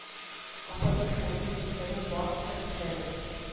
Апа мин хәлемнән килгәннең барысын да эшләрмен